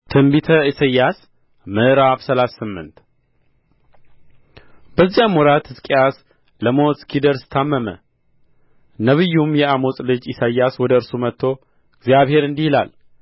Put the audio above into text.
ትንቢተ ኢሳይያስ ምዕራፍ ሰላሳ ስምንት በዚያም ወራት ሕዝቅያስ ለሞት እስኪደርስ ታመመ ነቢዩም የአሞጽ ልጅ ኢሳይያስ ወደ እርሱ መጥቶ እግዚአብሔር እንዲህ ይላል